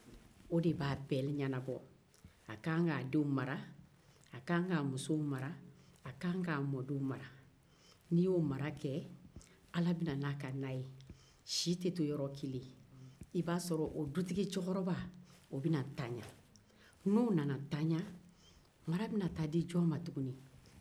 o de b'a bɛɛ ɲɛnabɔ a k'an k'a denw mara a k'an k'a muso mara a k'an k'a mɔdenw mara n'i y'o mara kɛ ala bɛ na n'a ka na ye si tɛ to yɔrɔ kelen i b'a sɔrɔ o dutigi cɛkɔrɔba o bɛ na ntaya n'o nana ntaya mara bɛ taa di jɔn ma